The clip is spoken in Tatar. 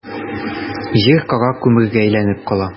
Җир кара күмергә әйләнеп кала.